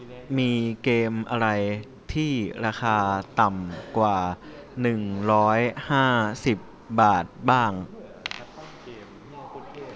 มีเกมอะไรที่ราคาต่ำกว่าหนึ่งร้อยห้าสิบบาทบ้าง